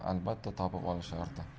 ham albatta topib olishardi